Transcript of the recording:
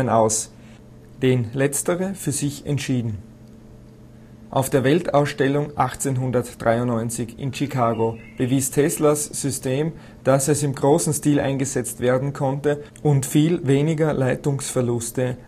aus, den letztere für sich entschieden: Auf der Weltausstellung 1893 in Chicago bewies Teslas System, dass es im großen Stil eingesetzt werden konnte und viel weniger Leitungsverluste